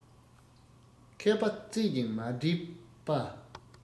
མཁས པ རྩད ཅིང མ དྲིས པ